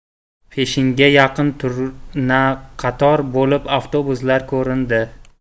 peshinga yaqin turnaqator bo'lib avtobuslar ko'rindi